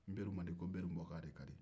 nbari man di ko nbari bɔkan de ka di